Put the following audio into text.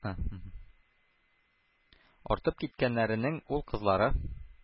Артып киткәннәренең ул-кызлары